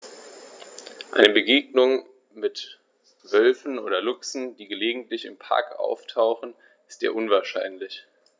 Eine Begegnung mit Wölfen oder Luchsen, die gelegentlich im Park auftauchen, ist eher unwahrscheinlich.